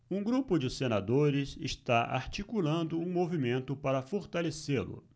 um grupo de senadores está articulando um movimento para fortalecê-lo